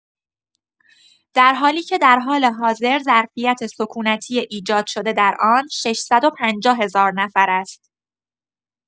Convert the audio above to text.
در حالی‌که در حال حاضر ظرفیت سکونتی ایجاد شده درآن ۶۵۰۰۰۰ نفر است.